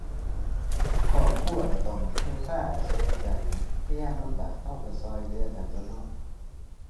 ครอบครัวก็ต้องพึ่งพาอาศัยกัน ในยามลำบากก็ก็ก็เหลือกันตั่วเนาะ